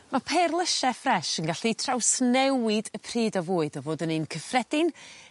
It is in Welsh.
Ma' perlysie ffries yn gallu trawsnewid y pryd o fwyd o fod yn un cyffredin